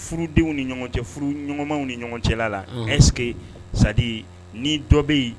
Furudenw ni ɲɔgɔn cɛ ɲɔgɔnmaw ni ɲɔgɔn cɛla la ɛse sa ni dɔ bɛ yen